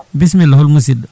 bisimilla hol musiɗɗo